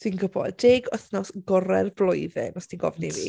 Dwi'n gwybod. Deg wythnos gorau'r blwyddyn os ti'n gofyn i fi.